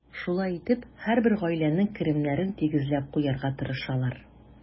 Шулай итеп, һәрбер гаиләнең керемнәрен тигезләп куярга тырышалар.